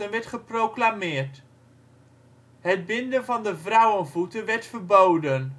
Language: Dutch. werd geproclameerd. Het binden van de vrouwenvoeten werd verboden